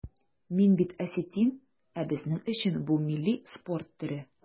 Мин бит осетин, ә безнең өчен бу милли спорт төре.